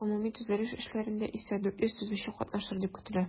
Гомуми төзелеш эшләрендә исә 400 төзүче катнашыр дип көтелә.